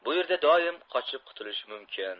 bu yerda doim qochib qutulish mumkin